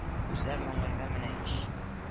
Күзләр маңгайга менә ич: